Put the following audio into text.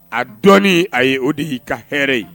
A dɔɔni , ayi , o de y'i ka hɛrɛɛ ye.